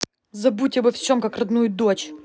забудь обо всем как родную дочь